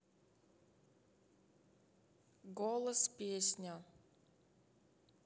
голос песня